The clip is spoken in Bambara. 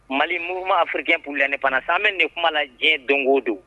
Mali Mouvement Africain pour l'Indépendance an be nin de kuma la diɲɛ doŋo don